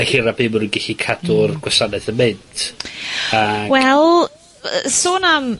yr hira by' ma' nw gellu cadw'r gwasanaeth yn mynd. Ag... We yy sôn am